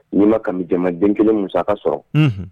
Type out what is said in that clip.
N'i ma kami jɛman den kelen musaka sɔrɔ, unhun